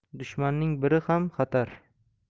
dushmanning biri ham xatar